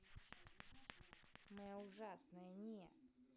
моя ужасная не